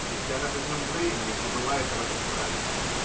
если она хоть на мгновение забывает об этом правиле.